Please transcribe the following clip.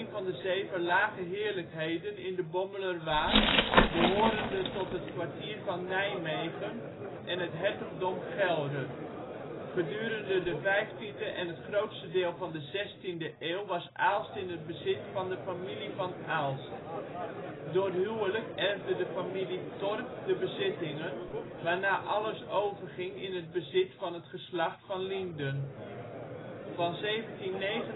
van de zeven lage heerlijkheden in de Bommelerwaard behorende tot het Kwartier van Nijmegen in het Hertogdom Gelre. Gedurende de vijftiende en het grootste deel van de zestiende eeuw was Aalst in het bezit van de familie van Aalst. Door huwelijk erfde de familie Torck de bezittingen, waarna alles overging in het bezit van het geslacht van Lynden. Van 1799 tot 1801